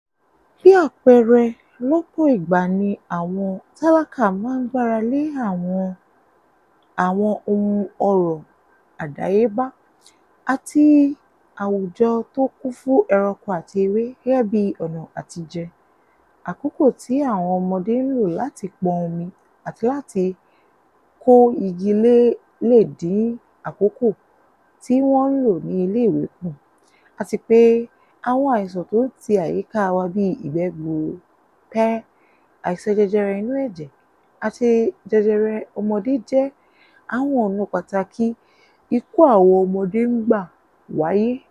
Bí àpẹẹrẹ, lọ́pọ̀ ìgbà ni àwọn tálákà máa ń gbára lé àwọn àwọn ohun ọrọ̀ àdáyébá àti àwùjọ tó kún fún ẹranko àti ewé gẹ́gẹ́ bí ọ̀nà àtije; àkókò tí àwọn ọmọdé ń lò láti pọn omi àti láti kó igi lè dín àkókò tí wọn ń lò ní iléèwé kú ; àti pé àwọn àìsàn tó ń ti àyíká wá bí ìgbẹ́ gbuuru, pẹ̀hẹ̀, àìsàn jẹjẹrẹ inú ẹ̀jẹ̀, àti jẹjẹrẹ ọmọdé jẹ́ àwọn ọ̀nà pàtàkì ikú àwọn ọmọdé ń gbà wáyé.